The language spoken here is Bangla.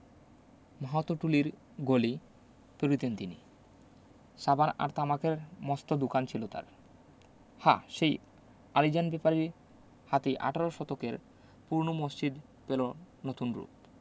মাহতটুলির গলি পেরুতেন তিনি সাবান আর তামাকের মস্ত দুকান ছিল তার হা সেই আলীজান ব্যাপারীর হাতেই আটারো শতকের পুরোনো মসজিদ পেলো নতুন রুপ